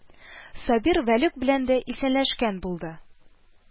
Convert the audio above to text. Сабир Вәлүк белән дә исәнләшкән булды